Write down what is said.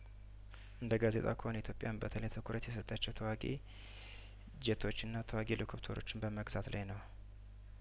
እንደ ጋዜጣው ከሆነ ኢትዮጵያ በተለይ ትኩረት የሰጠችው ተዋጊ ጄቶችንና ተዋጊ ሄሊኮፕተሮችን በመግዛት ላይ ነው